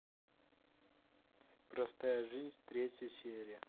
простая жизнь третья серия